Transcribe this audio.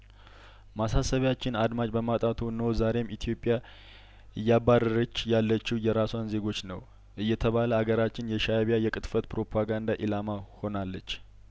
ማሳሰቢያችን አድማጭ በማጣቱ እነሆ ዛሬም ኢትዮጵያእያባረረች ያለችው የራሷን ዜጐች ነው እየተባለአገራችን የሻእቢያየቅጥፈት ፕሮፓጋንዳ ኢላማ ሆናለች